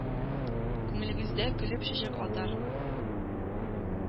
Күңелегездә көлеп чәчәк атар